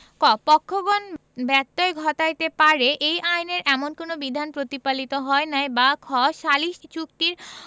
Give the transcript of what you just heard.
ক পক্ষগণ ব্যত্যয় ঘটাইতে পারে এই আইনের এমন কোন বিধান প্রতিপালিত হয় নাই বা খ সালিস চুক্তির